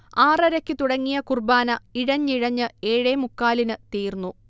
ആറരയ്ക്ക് തുടങ്ങിയ കുർബ്ബാന ഇഴഞ്ഞിഴഞ്ഞ് ഏഴേമുക്കാലിന് തീർന്നു